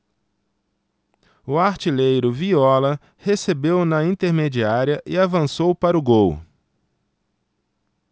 o artilheiro viola recebeu na intermediária e avançou para o gol